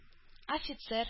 Офицер